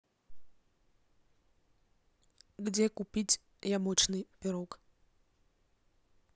где купить яблочный пирог